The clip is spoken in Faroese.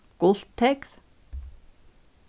gult tógv